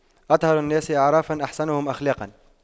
أطهر الناس أعراقاً أحسنهم أخلاقاً